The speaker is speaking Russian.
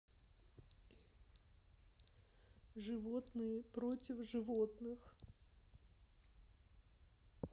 животные против животных